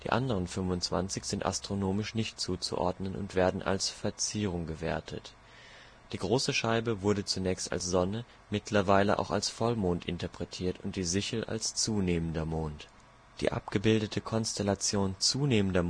anderen 25 sind astronomisch nicht zuzuordnen und werden als Verzierung gewertet. Die große Scheibe wurde zunächst als Sonne, mittlerweile auch als Vollmond interpretiert und die Sichel als zunehmender Mond. Die abgebildete Konstellation zunehmender